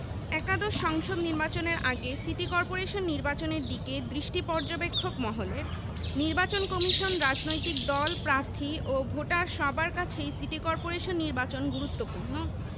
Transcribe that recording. একাদশ সংসদ নির্বাচনের আগে সিটি করপোরেশন নির্বাচনের দিকে দৃষ্টি পর্যবেক্ষক মহলের নির্বাচন কমিশন রাজনৈতিক দল প্রার্থী ও ভোটার সবার কাছেই সিটি করপোরেশন নির্বাচন গুরুত্বপূর্ণ